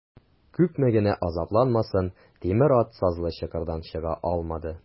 Күпме генә азапланмасын, тимер ат сазлы чокырдан чыга алмады.